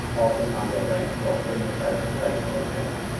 Alphen aan den Rijn telt 51 rijksmonumenten